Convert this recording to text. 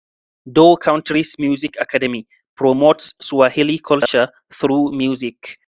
Dhow Countries Music Academy promotes Swahili culture through music